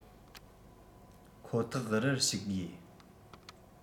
ཁོ ཐག རར ཞུགས དགོས